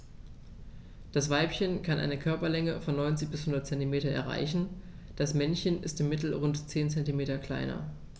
Das Weibchen kann eine Körperlänge von 90-100 cm erreichen; das Männchen ist im Mittel rund 10 cm kleiner.